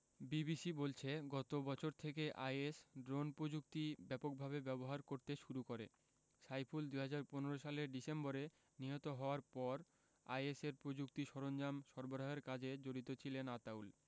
বিবিসির বলছে গত বছর থেকে আইএস ড্রোন প্রযুক্তি ব্যাপকভাবে ব্যবহার করতে শুরু করে সাইফুল ২০১৫ সালের ডিসেম্বরে নিহত হওয়ার পর আইএসের প্রযুক্তি সরঞ্জাম সরবরাহের কাজে জড়িত ছিলেন আতাউল